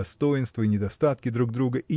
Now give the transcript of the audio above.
достоинства и недостатки друг друга